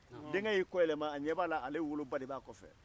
denkɛ y'i kɔyɛlɛma a ɲɛ b'a woloba la a kɔfɛ